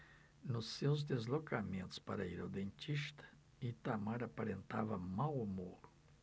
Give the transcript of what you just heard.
nos seus deslocamentos para ir ao dentista itamar aparentava mau humor